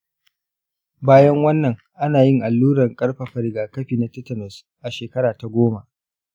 bayan wannan, ana yin alluran ƙarfafa rigakafi na tetanus a shekara ta goma.